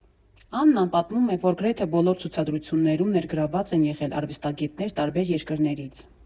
Աննան պատմում է, որ գրեթե բոլոր ցուցադրություններում ներգրավված են եղել արվեստագետներ տարբեր երկրներից։